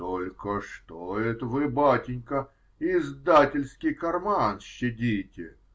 Только что это вы, батенька, издательский карман щадите?